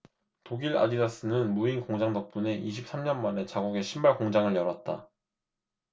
독일 아디다스는 무인공장 덕분에 이십 삼 년 만에 자국에 신발공장을 열었다